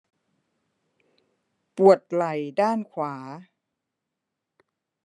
ปวดไหล่ด้านขวา